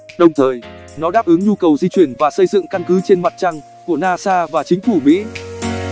đồng thời nó đáp ứng nhu cầu di chuyển và xây dựng căn cứ trên mặt trăng của nasa và chính phủ mỹ